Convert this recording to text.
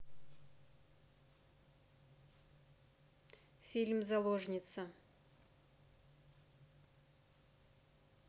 фильм заложница